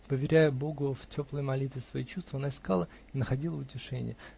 Поверяя Богу в теплой молитве свои чувства, она искала и находила утешение